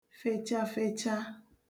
fechafecha